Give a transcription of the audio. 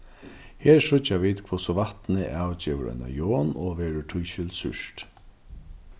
her síggja vit hvussu vatnið avgevur eina jon og verður tískil súrt